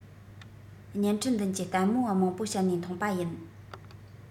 བརྙན འཕྲིན མདུན གྱི ལྟད མོ བ མང པོ བཤད ནས མཐོང པ ཡིན